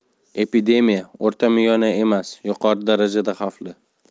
epidemiya o'rtamiyona emas yuqori darajada xavfli